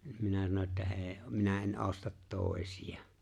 no minä sanoin että ei minä en osta toisia